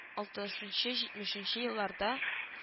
Алтышынчы-җитмешенче елларда